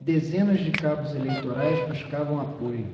dezenas de cabos eleitorais buscavam apoio